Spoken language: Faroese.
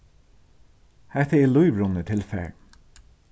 hetta er lívrunnið tilfar